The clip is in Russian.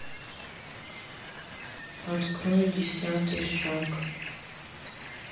открой десятый шаг